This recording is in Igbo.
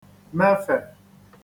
mefè